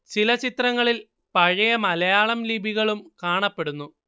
ചില ചിത്രങ്ങളിൽ പഴയ മലയാളം ലിപികളും കാണപ്പെടുന്നു